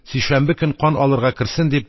Сишәмбе көн кан алырга керсен